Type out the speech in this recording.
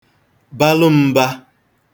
balụ m̄bā